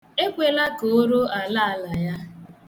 Ekwela ka o ruo alaala ya.